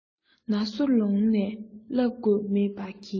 ན སོ ལོངས ནས བསླབས དགོས མེད པ གྱིས